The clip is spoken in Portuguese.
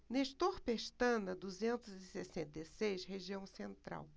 nestor pestana duzentos e sessenta e seis região central